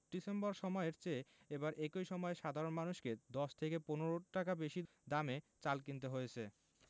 December সময়ের চেয়ে এবার একই সময়ে সাধারণ মানুষকে ১০ থেকে ১৫ টাকা বেশি দামে চাল কিনতে হয়েছে